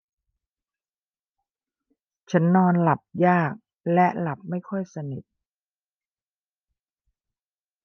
ฉันนอนหลับยากและหลับไม่ค่อยสนิท